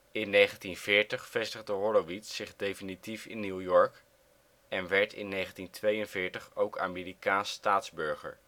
In 1940 vestigde Horowitz zich definitief in New York, en werd in 1942 ook Amerikaans staatsburger